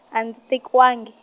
a ndzi tekiwangi.